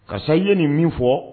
Karisa i ye ni min fɔ